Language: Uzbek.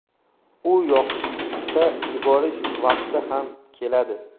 u yoqqa yuborish vaqti ham keladi